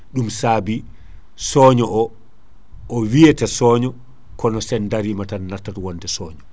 ɗum saabi soño o o wiyete soño kono sen daarima tan nattat wonde soño